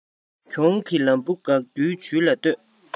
གྱོང གི ལམ བུ དགག རྒྱུའི བྱུས ལ ལྟོས